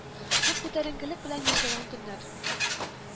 Зур күтәренкелек белән яшәгән көннәр